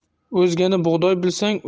o'zgani bug'doy bilsang